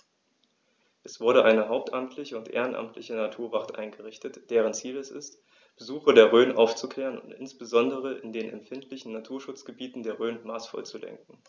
Es wurde eine hauptamtliche und ehrenamtliche Naturwacht eingerichtet, deren Ziel es ist, Besucher der Rhön aufzuklären und insbesondere in den empfindlichen Naturschutzgebieten der Rhön maßvoll zu lenken.